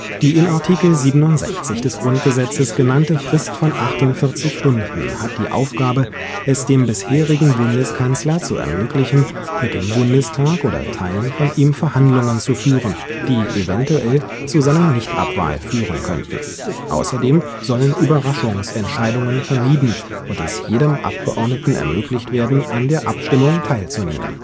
Die in Art. 67 GG genannte Frist von 48 Stunden hat die Aufgabe, es dem bisherigen Bundeskanzler zu ermöglichen, mit dem Bundestag oder Teilen von ihm Verhandlungen zu führen, die eventuell zu seiner Nichtabwahl führen könnten. Außerdem sollen Überraschungsentscheidungen vermieden und es jedem Abgeordneten ermöglicht werden, an der Abstimmung teilzunehmen